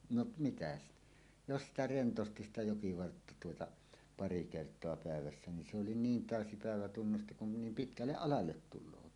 no mitä sitä jos sitä rentosti sitä jokivartta tuota pari kertaa päivässä niin se oli niin täysi päivä tunnusti kun ne niin pitkälle alalle tulevat